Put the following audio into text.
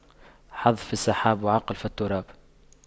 حظ في السحاب وعقل في التراب